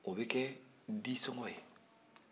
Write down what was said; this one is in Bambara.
o bɛ kɛ disɔngɔn ye